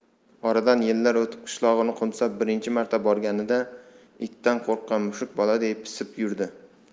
oradan yillar o'tib qishlog'ini qo'msab birinchi marta borganida itdan qo'rqqan mushuk boladay pisib yurdi